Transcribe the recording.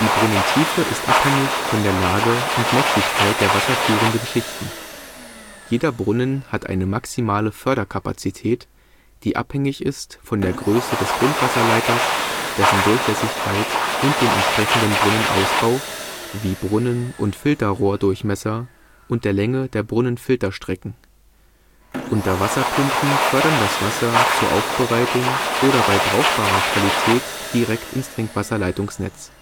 Brunnentiefe ist abhängig von der Lage und Mächtigkeit der wasserführenden Schichten. Jeder Brunnen hat eine maximale Förderkapazität, die abhängig ist von der Größe des Grundwasserleiters, dessen Durchlässigkeit und dem entsprechenden Brunnenausbau, wie Brunnen - und Filterrohrdurchmesser und der Länge der Brunnenfilterstrecken. Unterwasserpumpen fördern das Wasser zur Aufbereitung oder bei brauchbarer Qualität direkt ins Trinkwasserleitungsnetz